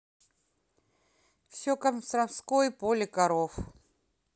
все костромской поли коров